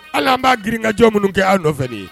Ala an b'a girinkajɔ minnu kɛ an nɔfɛ ye